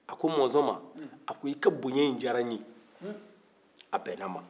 a ko monzon ma a ko i ka bonya in diyara n ye a bɛnna n ma